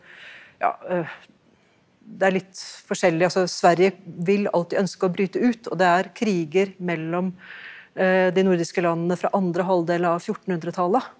ja det er litt forskjellig altså Sverige vil alltid ønske å bryte ut og det er kriger mellom de nordiske landene fra andre halvdel av fjortenhundretallet.